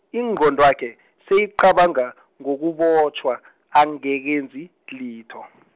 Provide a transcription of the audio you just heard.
ingqondwakhe, seyicabanga ngokubotjhwa , angakenzi litho .